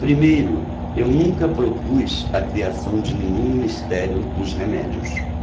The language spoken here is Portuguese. primeiro eu nunca propus a criação de nenhum ministério dos remédios